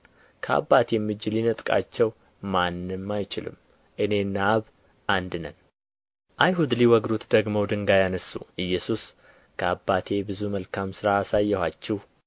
ከአባቴም እጅ ሊነጥቃቸው ማንም አይችልም እኔና አብ አንድ ነን አይሁድ ሊወግሩት ደግመው ድንጋይ አነሡ ኢየሱስ ከአባቴ ብዙ መልካም ሥራ አሳየኋችሁ